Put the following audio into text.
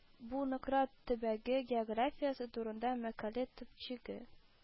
Бу Нократ төбәге географиясе турында мәкалә төпчеге